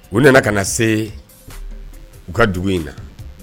U nana ka na se u ka dugu in na